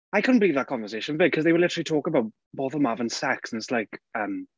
I couldn't believe that conversation 'fyd cause they were literally talking about both of them having sex and it's like ymm...